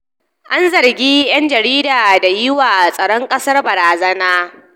An zargi 'yan jaridar da yi wa tsaron ƙasa barazana